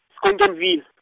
Schonkenville .